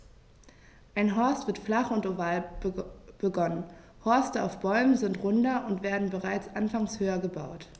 Ein Horst wird flach und oval begonnen, Horste auf Bäumen sind runder und werden bereits anfangs höher gebaut.